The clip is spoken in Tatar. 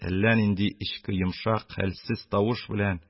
Әллә нинди эчке йомшак, хәлсез тавыш белән: